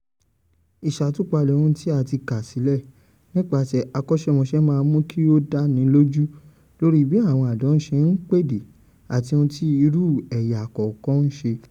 Ìṣàtúpalẹ̀ ohùn tí a ti ká sílẹ̀ nípaṣẹ̀ àkọṣẹ́mọṣẹ máa mú kí ó dánilójú lórí bí àwọn àdán ṣe ń pèdè àti ohun tí irú ẹ̀yà kọ̀ọ̀kan ń ṣe.